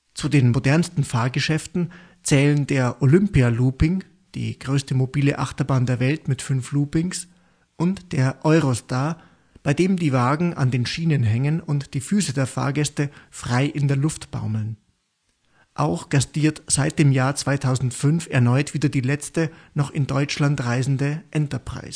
Zu den modernsten Fahrgeschäften zählen der Olympia Looping – die größte mobile Achterbahn der Welt mit fünf Loopings – und der Euro-Star, bei dem die Wagen an den Schienen hängen und die Füße der Fahrgäste frei in der Luft baumeln. Auch gastiert seit dem Jahr 2005 erneut wieder die letzte, noch in Deutschland reisende Enterprise